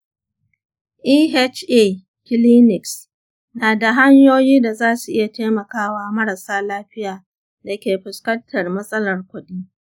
eha clinics na da hanyoyi da za su iya taimaka wa marasa lafiya da ke fuskantar matsalar kuɗi.